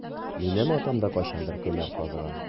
Минем атам да кайчандыр күмер казыган.